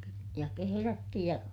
ja kehrätty ja